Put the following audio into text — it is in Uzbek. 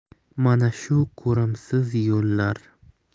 mana shu ko'rimsiz yo'llar